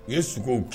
U ye sogow kɛ